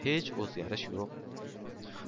hech o'zgarish yo'q